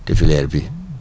te filière bii